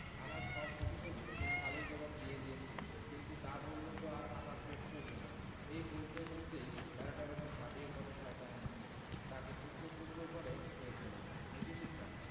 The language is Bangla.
আমার সব অভিযোগ এর তুই ভালই জবাব দিয়ে দিয়েছিস কিন্তু তা বললে তো আর আমার পেট চলবে না এই বলতে বলতেই ভেড়াটার উপর ঝাঁপিয়ে পড়ে শয়তান নেকড়ে তাকে টুকরো টুকরো করে খেয়ে ফেলল নীতিশিক্ষাঃ